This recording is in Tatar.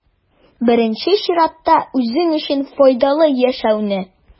Беренче чиратта, үзең өчен файдалы яшәүне.